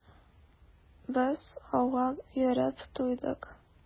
Без ауга йөреп туйдык.